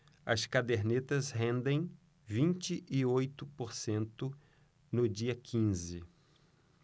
as cadernetas rendem vinte e oito por cento no dia quinze